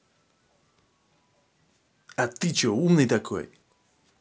а ты че умный такой